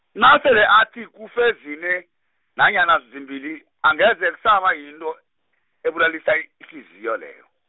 nasele athi kufe zine, nanyana zimbili, angeze kusaba yinto, ebulalisa ihliziyo leyo.